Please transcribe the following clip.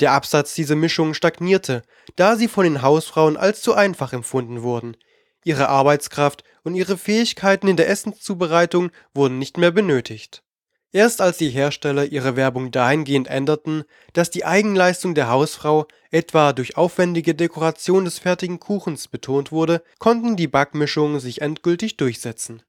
Absatz dieser Mischungen stagnierte, da sie von den Hausfrauen als zu einfach empfunden wurden: Ihre Arbeitskraft und ihre Fähigkeiten in der Essenszubereitung wurden nicht mehr benötigt. Erst als die Hersteller ihre Werbung dahingehend änderten, dass die Eigenleistung der Hausfrau, etwa durch aufwändige Dekoration des fertigen Kuchens, betont wurde, konnten die Backmischungen sich endgültig durchsetzen